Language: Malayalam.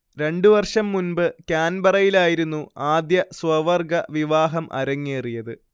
രണ്ടു വർഷം മുമ്പ് കാൻബറയിലായിരുന്നു ആദ്യ സ്വവർഗ വിവാഹം അരങ്ങേറിയത്